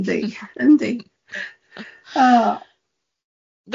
Yndi, yndi.